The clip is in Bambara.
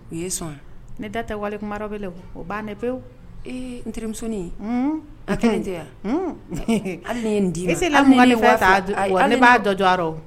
U ye sɔn wa ne da tɛ walekuma la bile o o bana pewu ee n terimusonin a ka ɲi tɛ wa hali ni n ye ni d'i ma